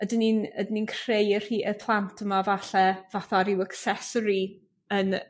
Ydyn ni'n ydyn ni'n creu y rhi- y plant yma falle fatha ryw accessory yn